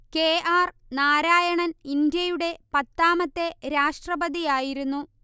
K R Narayanan ഇന്ത്യയുടെ പത്താമത്തെ രാഷ്ട്രപതിയായിരുന്നു